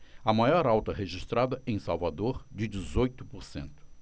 a maior alta foi registrada em salvador de dezoito por cento